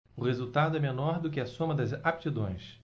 o resultado é menor do que a soma das aptidões